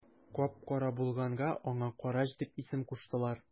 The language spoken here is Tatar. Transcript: Кап-кара булганга аңа карач дип исем куштылар.